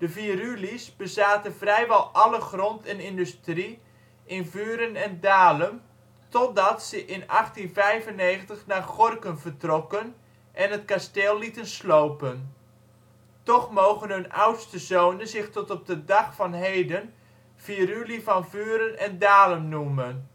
Viruly’ s bezaten vrijwel alle grond en industrie in Vuren en Dalem, totdat ze in 1895 naar Gorinchem vertrokken en het kasteel lieten slopen. Toch mogen hun oudste zonen zich tot op de dag van heden Viruly van Vuren en Dalem noemen